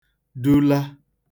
dula